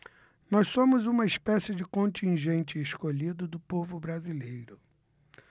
nós somos uma espécie de contingente escolhido do povo brasileiro